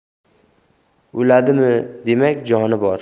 o'ladimi demak joni bor